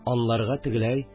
Анларга тегеләй